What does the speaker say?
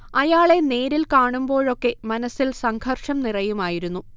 അയാളെ നേരിൽ കാണുമ്പോഴൊക്കെ മനസ്സിൽ സംഘര്ഷം നിറയുമായിരുന്നു